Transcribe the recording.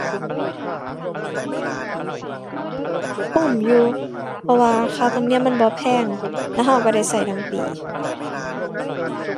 คุ้มอยู่ เพราะว่าค่าธรรมเนียมมันบ่แพง แล้วเราเราได้เราทั้งปี